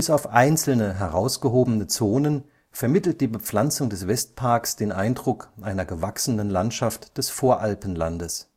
auf einzelne herausgehobene Zonen vermittelt die Bepflanzung des Westparks den Eindruck einer gewachsenen Landschaft des Voralpenlandes